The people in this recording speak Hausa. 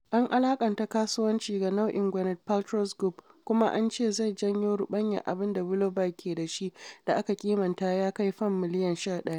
An alaƙanta kasuwancin ga nau’in Gwyneth Paltrow's Goop kuma an ce zai jawo ruɓanyar abin da Willoughby's ke da shi da aka kimanta ya kai Fam miliyan 11.